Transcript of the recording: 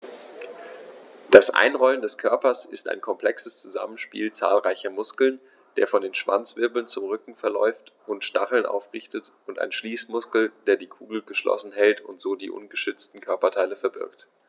Das Einrollen des Körpers ist ein komplexes Zusammenspiel zahlreicher Muskeln, der von den Schwanzwirbeln zum Rücken verläuft und die Stacheln aufrichtet, und eines Schließmuskels, der die Kugel geschlossen hält und so die ungeschützten Körperteile verbirgt.